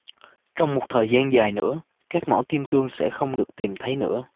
trong một thời gian dài nữa các mỏ kim cương sẽ không được tìm thấy nữa